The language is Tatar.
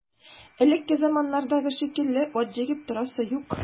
Элекке заманнардагы шикелле ат җигеп торасы юк.